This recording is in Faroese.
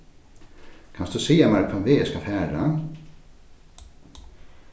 kanst tú siga mær hvønn veg eg skal fara